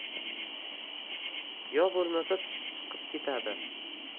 yo bo'lmasa tushib chiqib ketadi